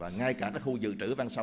và ngay cả các khu dự trữ ven sông